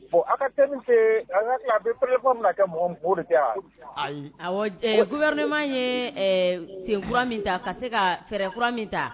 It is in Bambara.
Bon tɛ an ka se k'a don transation bɛka kɛ mɔgɔ min kun, o de tɛ a? Ayi, awɔ, ɛɛ, gouvernement ye senkura min ta ka se ka fɛɛrɛkura min ta